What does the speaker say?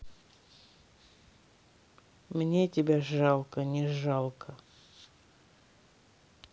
мне тебя жалко не жалко